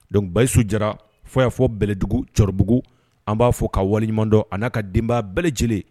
Donc basiyisudi fo y'a fɔ bɛlɛdugu cɛkɔrɔbabugu an b'a fɔ ka waleɲumandɔn a n'a ka denba bɛɛele lajɛlen